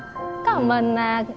có một mình à